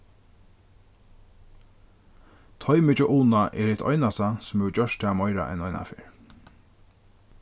toymið hjá una er hitt einasta sum hevur gjørt tað meira enn eina ferð